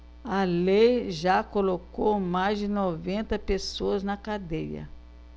a lei já colocou mais de noventa pessoas na cadeia